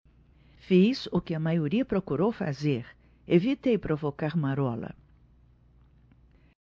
fiz o que a maioria procurou fazer evitei provocar marola